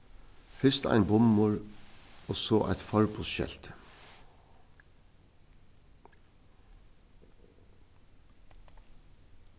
fyrst ein bummur og so eitt forboðsskelti